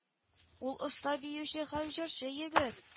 Ул оста биюче һәм җырчы егет